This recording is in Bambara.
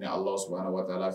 Awawurun ala waa la